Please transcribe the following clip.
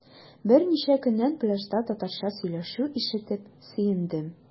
Берничә көннән пляжда татарча сөйләшү ишетеп сөендем.